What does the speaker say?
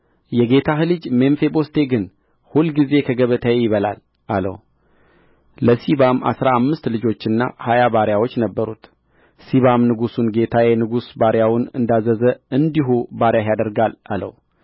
የጌታህ ልጅ ሜምፊቦስቴ ግን ሁልጊዜ ከገበታዬ ይበላል አለው ለሲባም አሥራ አምስት ልጆችና ሀያ ባሪያዎች ነበሩት ሲባም ንጉሡን ጌታዬ ንጉሡ ባሪያውን እንዳዘዘ እንዲሁ ባሪያህ ያደርጋል አለው